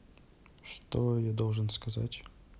что я должен сказать